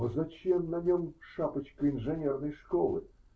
-- А зачем на нем шапочка инженерной школы?